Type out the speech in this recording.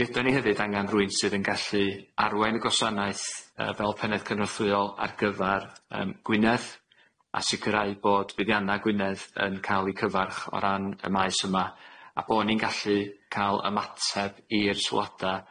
Mi yda ni hefyd angan rhywun sydd yn gallu arwain y gwasanaeth yy fel pennaeth cynorthwyol ar gyfar yym Gwynedd a sicirau bod buddianna Gwynedd yn ca'l ei cyfarch o ran y maes yma a bo' ni'n gallu ca'l ymateb i'r sylwada